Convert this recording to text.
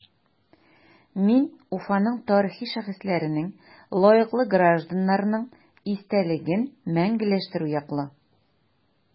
Мин Уфаның тарихи шәхесләренең, лаеклы гражданнарның истәлеген мәңгеләштерү яклы.